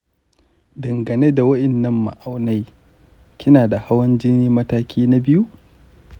dangane da waɗannan ma’aunai, kina da hawan jini mataki na biyu